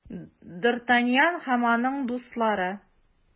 Д’Артаньян һәм аның дуслары.